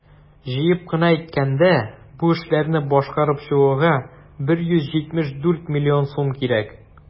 Җыеп кына әйткәндә, бу эшләрне башкарып чыгуга 174 млн сум кирәк.